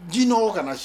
Jinɛinɛ ka na se